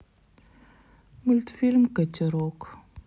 мультфильм катерок